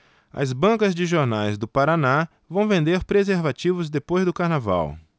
as bancas de jornais do paraná vão vender preservativos depois do carnaval